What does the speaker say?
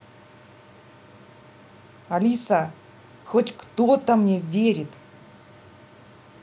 алиса хоть кто то мне верит